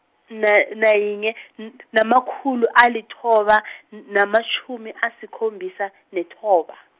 na- nayinye , n- namakhulu alithoba , n- namatjhumi asikhombisa, nethoba.